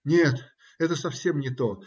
Нет, это совсем не то!